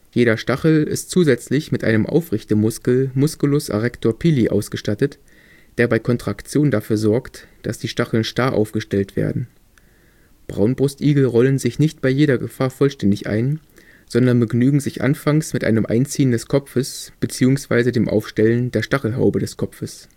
Jeder Stachel ist zusätzlich mit einem Aufrichtemuskel (Musculus arrector pili) ausgestattet, der bei Kontraktion dafür sorgt, dass die Stacheln starr aufgestellt werden. Braunbrustigel rollen sich nicht bei jeder Gefahr vollständig ein, sondern begnügen sich anfangs mit einem Einziehen des Kopfes beziehungsweise dem Aufstellen der Stachelhaube des Kopfes